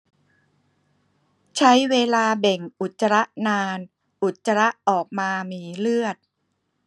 ใช้เวลาเบ่งอุจจาระนานอุจจาระออกมามีเลือด